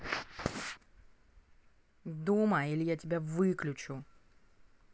дума или я тебя выключу